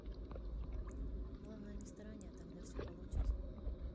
главное не старание а тогда все получится